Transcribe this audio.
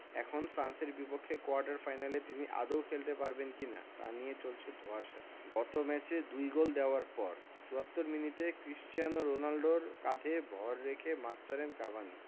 এখন ফ্রান্সের বিপক্ষে কোয়ার্টার ফাইনালে তিনি আদৌ খেলতে পারবেন কি না তা নিয়ে চলছে ধোঁয়াশা গত ম্যাচে দুই গোল দেওয়ার পর ৭৪ মিনিটে ক্রিস্টিয়ানো রোনালদোর কাঁধে ভর রেখে মাঠ ছাড়েন কাভানি